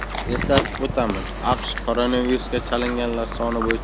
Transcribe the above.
eslatib o'tamiz aqsh koronavirusga chalinganlar soni